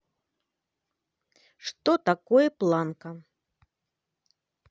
что такое планка